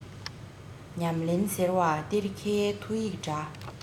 ཉམས ལེན ཟེར བ གཏེར ཁའི ཐོ ཡིག འདྲ